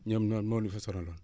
ñoom noo noo nu fa sonaloon